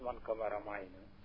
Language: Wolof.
Ousmane Camara Mayina